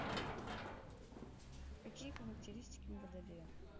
какие характеристики у водолея